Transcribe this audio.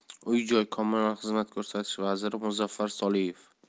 uy joy kommunal xizmat ko'rsatish vaziri muzaffar soliyev